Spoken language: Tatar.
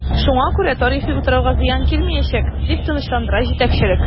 Шуңа күрә тарихи утрауга зыян килмиячәк, дип тынычландыра җитәкчелек.